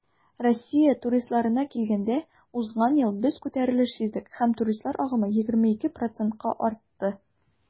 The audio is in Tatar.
Россия туристларына килгәндә, узган ел без күтәрелеш сиздек һәм туристлар агымы 22 %-ка артты.